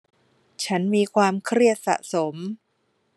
ฉันมีความเครียดสะสม